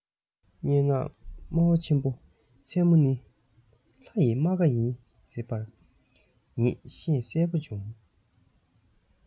སྙན ངག སྨྲ བ ཆེན པོ མཚན མོ ནི ལྷ ཡི རྨ ཁ ཡིན ཟེར པར ངེས ཤེས གསལ བོ བྱུང